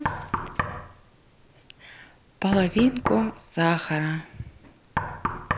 половинку сахара